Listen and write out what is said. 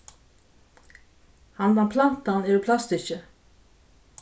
handan plantan er úr plastikki